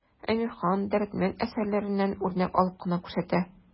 Әмирхан, Дәрдемәнд әсәрләреннән үрнәк алып кына күрсәтә.